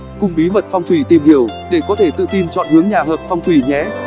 cùng bí mật phong thủy tìm hiểu để có thể tự tin chọn hướng nhà hợp phong thủy nhé